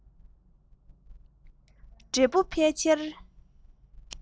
བགྲེས པོ ཕལ ཆེར